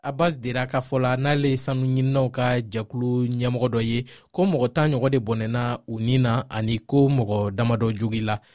abasse derra ka fɔ la n'ale ye sanuɲininaw ka jɛkulu ɲɛmɔgɔ dɔ ye ko mɔgɔ tan ɲɔgɔn de bɔnɛna u ni na ani ko mɔgɔ damadɔ joginna